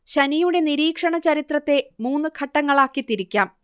ശനിയുടെ നിരീക്ഷണ ചരിത്രത്തെ മൂന്ന് ഘട്ടങ്ങളാക്കി തിരിക്കാം